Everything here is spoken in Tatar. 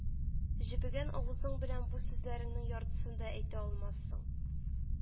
Җебегән авызың белән бу сүзләреңнең яртысын да әйтә алмассың